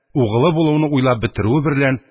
Угылы булуыны уйлап бетерүе берлән,